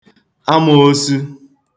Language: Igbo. amōōsū